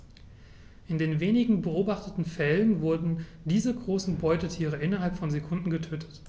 In den wenigen beobachteten Fällen wurden diese großen Beutetiere innerhalb von Sekunden getötet.